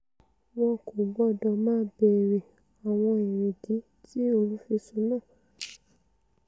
Wọn kò gbọdọ̀ máa béère àwọn èrèdí ti olùfisùn náà.